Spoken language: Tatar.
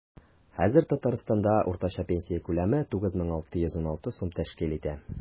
Хәзер Татарстанда уртача пенсия күләме 9616 сум тәшкил итә.